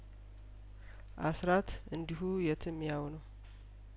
አስራት እንዲሁ የትም ያው ነው